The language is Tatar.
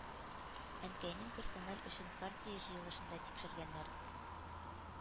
Әнкәйнең персональ эшен партия җыелышында тикшергәннәр.